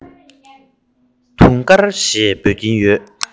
དུང དཀར ཞེས འབོད ཀྱིན ཡོད